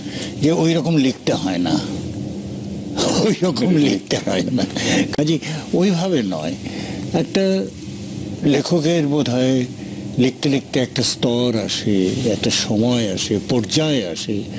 যে ঐরকম লিখতে হয় না ওরকম লিখতে হয় না কাজেই ওই ভাবে নয় একটি লেখক এর বোধহয় লিখতে লিখতে একটা স্তর আসে একটা সময় আসে পর্যায়ে আসে